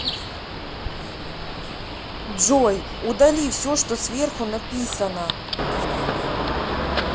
джой удали все что сверху написано